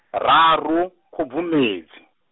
raru, Khubvumedzi.